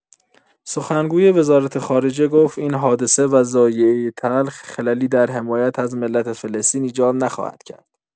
سخنگوی وزارت‌خارجه گفت این حادثه و ضایعه تلخ، خللی در حمایت از ملت فلسطین ایجاد نخواهد کرد.